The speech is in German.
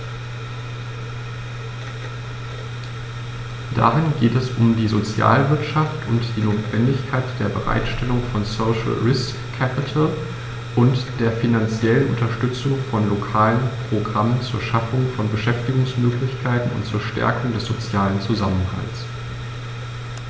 Darin geht es um die Sozialwirtschaft und die Notwendigkeit der Bereitstellung von "social risk capital" und der finanziellen Unterstützung von lokalen Programmen zur Schaffung von Beschäftigungsmöglichkeiten und zur Stärkung des sozialen Zusammenhalts.